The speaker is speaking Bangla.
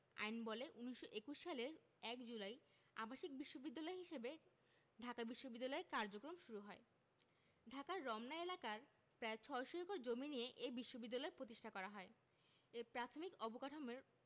আইনবলে ১৯২১ সালের ১ জুলাই আবাসিক বিশ্ববিদ্যালয় হিসেবে ঢাকা বিশ্ববিদ্যালয়ের কার্যক্রম শুরু হয় ঢাকার রমনা এলাকার প্রায় ৬০০ একর জমি নিয়ে এ বিশ্ববিদ্যালয় প্রতিষ্ঠা করা হয় এর প্রাথমিক অবকাঠামোর